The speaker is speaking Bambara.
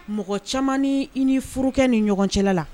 Mɔgɔ caman ni i n'i furukɛ ni ɲɔgɔn cɛla la